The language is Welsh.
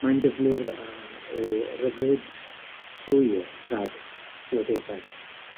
Mae'n gyflwr a- o rhyddid llwyr rhag dioddefaint.